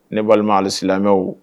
Ne balima alisimɛw